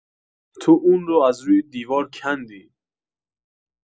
تو اون رو از روی دیوار کندی